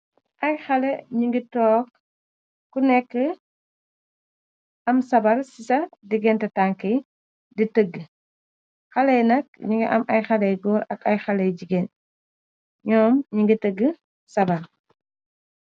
Ay xale nyungi tog ku nekka am sabar cisa digéenté tanka di tëgga xaley nak mongi am ay xaley góor ak ay xaley jigeen ñyoom nyugi tëgga sabar.